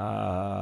Aa